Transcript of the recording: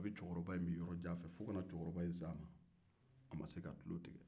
kabini cɛkɔrɔba in bɛ yɔrɔ jan fo ka n'a se a ma a ma se ka tulo tigɛ